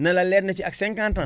na la leer ni ci ak 50 ans